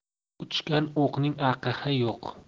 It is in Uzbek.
uchgan o'qning aqh yo'q